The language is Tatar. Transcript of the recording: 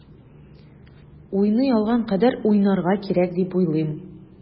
Уйный алган кадәр уйнарга кирәк дип уйлыйм.